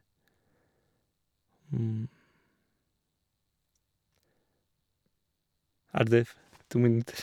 Er det f to minutter?